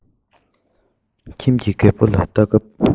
ཁྱིམ གྱི རྒད པོ ལ ལྟ སྐབས